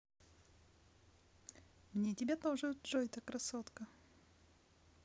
мне тебя тоже джойта красотка